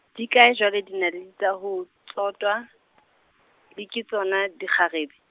di kae jwale dinaledi tsa ho, tsotwa, le ke tsona dikgarebe?